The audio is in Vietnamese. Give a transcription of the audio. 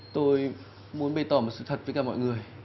tôi muốn bày tỏ một sự thật với cả mọi người